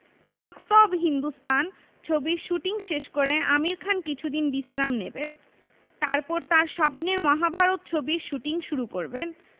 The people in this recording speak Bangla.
থাগস অব হিন্দুস্তান ছবির শুটিং শেষ করে আমির খান কিছুদিন বিশ্রাম নেবেন তারপর তাঁর স্বপ্নের মহাভারত ছবির শুটিং শুরু করবেন